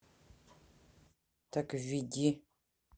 так введи